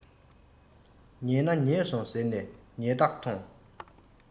ཉེས ན ཉེས སོང ཟེར ནས ཉེས གཏགས ཐོངས